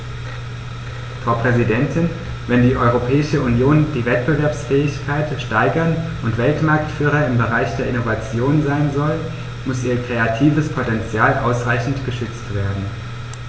Frau Präsidentin, wenn die Europäische Union die Wettbewerbsfähigkeit steigern und Weltmarktführer im Bereich der Innovation sein soll, muss ihr kreatives Potential ausreichend geschützt werden.